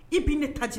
I bi ne ta j